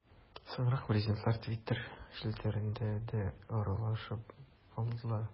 Соңрак президентлар Twitter челтәрендә дә аралашып алдылар.